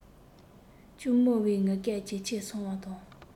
གཅུང མོའི ངུ སྐད ཇེ ཆེར སོང བ དང